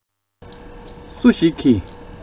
སུ ཞིག གིས